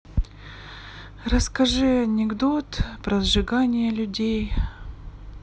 расскажи анекдот про сжигание людей